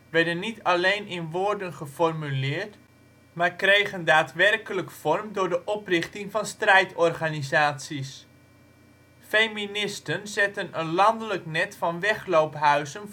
werden niet alleen in woorden geformuleerd, maar kregen daadwerkelijk vorm door de oprichting van strijdorganisatie. Feministen zetten een landelijk net van wegloophuizen